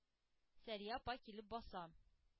Сәрия апа килеп баса.